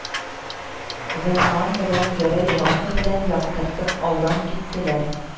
Гыйльман белән Гәрәй, лампа белән яктыртып, алдан киттеләр